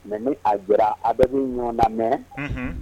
Mɛ ni a jira a bɛ' ɲɔgɔnda mɛn